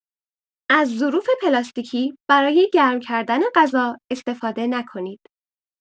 از ظروف پلاستیکی برای گرم‌کردن غذا استفاده نکنید.